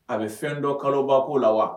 A bɛ fɛn dɔn kalobako la wa